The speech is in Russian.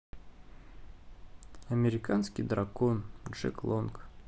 американский дракон джек лонг